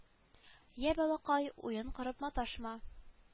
Йә балакай уен корып маташма